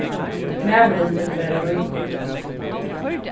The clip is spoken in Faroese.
maðurin vildi vera ríkur